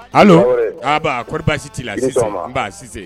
Hali a a kɔrɔ baasi si t' la sinse nba' sinse